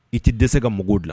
I ti dɛsɛ ka mako gilan.